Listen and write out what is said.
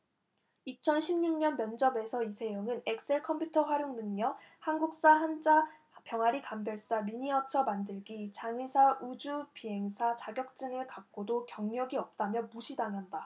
이천 십 육 년 면접에서 이세영은 엑셀 컴퓨터활용능력 한국사 한자 병아리감별사 미니어처만들기 장의사 우주비행사 자격증을 갖고도 경력이 없다며 무시당한다